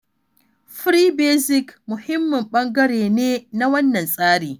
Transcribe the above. Free Basic'' muhimmin ɓangare ne na wannan tsari.